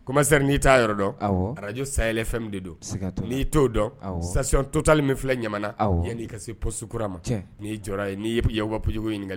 Komaseri n'i' yɔrɔ dɔn araj sayayɛlɛ fɛn min de don n''i t'o dɔn sasicɔn totali min filɛ ɲa yan'i ka se psikura ma ni'i jɔ n'i yaa wajugu ɲini